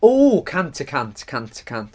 O, cant y cant, cant y cant.